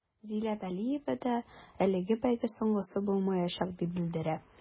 Зилә вәлиева да әлеге бәйге соңгысы булмаячак дип белдерә.